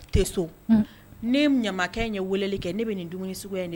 Ɲamakala ye wele kɛ ne bɛ nin dumuni ye